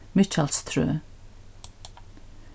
mikkjalstrøð